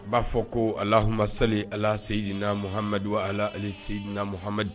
B'a fɔ ko: